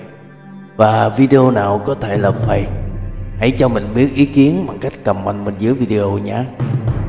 video nào là kinh dị nhất và video nào có thể là fake hãy cho mình biết ý kiến bằng cách comment bên dưới video nhé